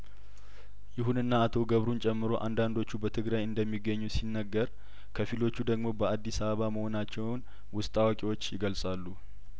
ይሁንና አቶ ገብሩን ጨምሮ አንዳንዶቹ በትግራይእንደሚገኙ ሲነገር ከፊሎቹ ደግሞ በአዲስ አበባ መሆናቸውን ውስጥ አዋቂዎች ይገልጻሉ